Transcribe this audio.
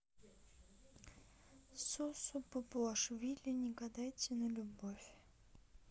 сосо папуашвили не гадайте на любовь